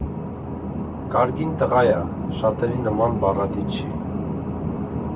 Կարգին տղա ա, շատերի նման բառադի չի։